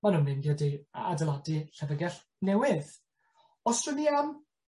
ma'n nw'n mynd wedi a- adeladu llyfrgell newydd os tro'n ni am